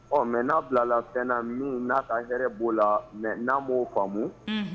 Ɔ mɛ n'a bilala fɛnna minnu n'a ka hɛrɛ b'o la mɛ n'aan b'o faamu